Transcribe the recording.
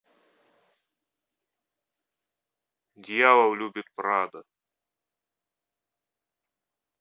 дьявол любит прада